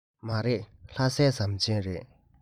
མ རེད ལྷ སའི ཟམ ཆེན རེད